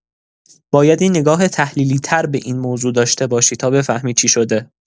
باید یه نگاه تحلیلی‌تر به این موضوع داشته باشی تا بفهمی چی شده.